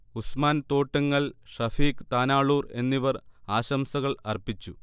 ഉസ്മാൻ തോട്ടുങ്ങൽ, ഷഫീഖ് താനാളൂർ എന്നിവർ ആശംസകൾ അർപ്പിച്ചു